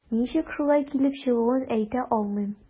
Ничек шулай килеп чыгуын әйтә алмыйм.